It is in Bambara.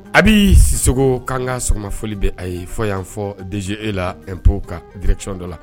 A bɛ siso kan ka sɔgɔma fɔ bɛ a ye fɔ y' fɔ dezji e la npo ka grec dɔ la